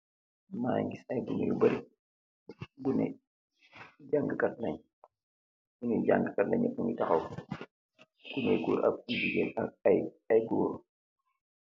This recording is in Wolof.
Mageh ngis ay gune yu bare gune jàngkat nañ buni jàngkat , nañeuni taxaw gune guur ab bu jigéen aay guur.